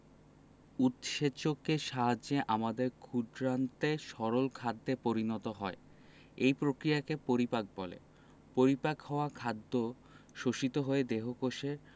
উৎসেচকের সাহায্যে আমাদের ক্ষুদ্রান্তে সরল খাদ্যে পরিণত হয় এই প্রক্রিয়াকে পরিপাক বলে পরিপাক হওয়া খাদ্য শোষিত হয়ে দেহকোষে